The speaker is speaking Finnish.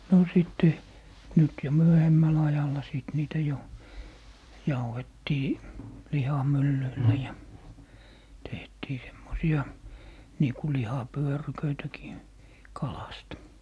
no sitten nyt jo myöhemmällä ajalla sitten niitä jo jauhettiin lihamyllyillä ja tehtiin semmoisia niin kuin lihapyöryköitäkin kalasta